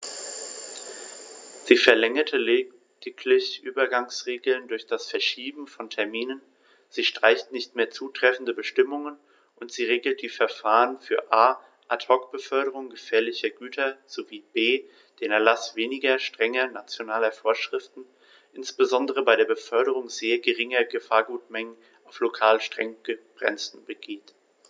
Sie verlängert lediglich Übergangsregeln durch das Verschieben von Terminen, sie streicht nicht mehr zutreffende Bestimmungen, und sie regelt die Verfahren für a) Ad hoc-Beförderungen gefährlicher Güter sowie b) den Erlaß weniger strenger nationaler Vorschriften, insbesondere bei der Beförderung sehr geringer Gefahrgutmengen auf lokal streng begrenzten Gebieten.